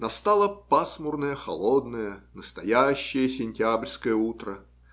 Настало пасмурное, холодное, настоящее сентябрьское утро.